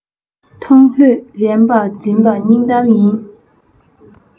ཐང ལྷོད རན པར འཛིན པ སྙིང གཏམ ཡིན